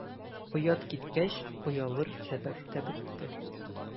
Оят киткәч, оялыр сәбәп тә бетте.